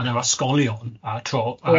yn yn yr ysgolion a tro... Ie.